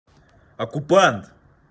оккупант